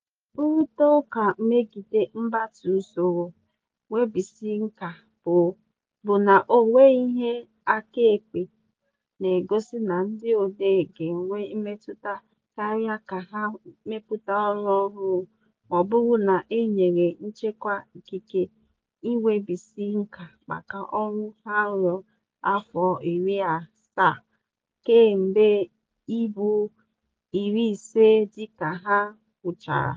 Nrụrịtaụka megide ịgbatị usoro nnwebisiinka bụ na ọ nweghị ihe akaebe na-egosi na ndị odee ga-enwe mmetụta karịa ka ha mepụta ọrụ ọhụrụ maọbụrụ na e nyere nchekwa ikike nnwebiisinka maka ọrụ ha ruo afọ 70 kama ịbụ 50 dịka ha nwụchara.